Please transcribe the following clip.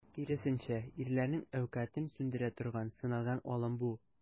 Киресенчә, ирләрнең әүкатен сүндерә торган, сыналган алым бу.